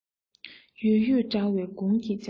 ཡོད ཡོད འདྲ བའི དགུང གི འཇའ ཚོན